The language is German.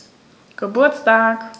Geburtstag